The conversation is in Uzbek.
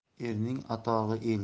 erning atog'i elga